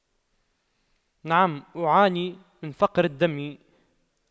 نعم أعاني من فقر الدم